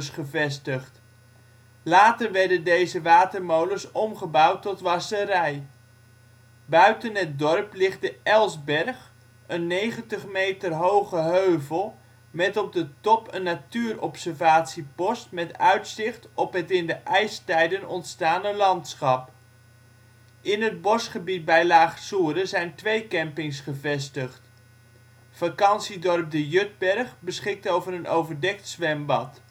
gevestigd. Later werden deze watermolens omgebouwd tot wasserij. Buiten het dorp ligt de ' Elsberg ', een 90 meter hoge heuvel met op de top een natuurobservatiepost met uitzicht op het in de ijstijden ontstane landschap. In het bosgebied bij Laag-Soeren zijn twee campings gevestigd. Vakantiedorp ' De Jutberg ' beschikt over een overdekt zwembad